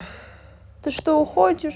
ты что уходишь